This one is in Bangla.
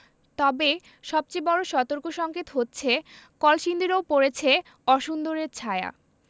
তবে সবচেয়ে বড় সতর্কসংকেত হচ্ছে কলসিন্দুরেও পড়েছে অসুন্দরের ছায়া